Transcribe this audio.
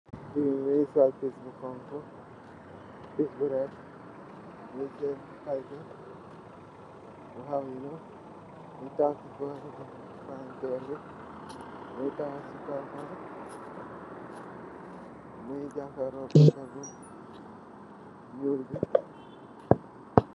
Gigain mungy sol piss bu honhu, piss bu rehd, mungy tiyeh kalpeh, mu am lu, mu takhaw cii bohri palanterre bii, mungy takhaw cii kaw kaaroh, mungy japah roh yobu.